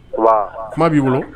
Baba kuma b'i bolo